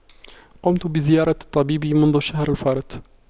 قمت بزيارة الطبيب منذ الشهر الفارط